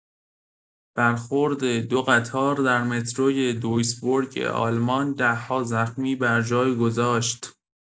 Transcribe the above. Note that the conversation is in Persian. برخورد ۲ قطار در متروی دویسبورگ آلمان ده‌ها زخمی بر جای گذاشت.